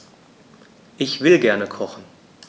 Ich will gerne kochen.